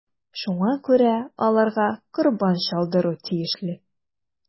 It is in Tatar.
Шуңа күрә аларга корбан чалдыру тиешле.